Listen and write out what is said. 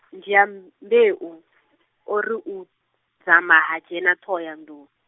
Dyambeu, o ri u, dzama ha dzhena Ṱhohoyanḓou.